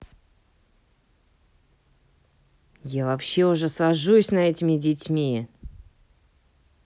я вообще уже сажусь на этими детьми